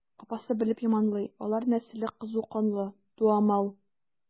Апасы белеп яманлый: алар нәселе кызу канлы, дуамал.